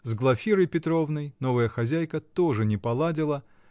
С Глафирой Петровной новая хозяйка тоже не поладила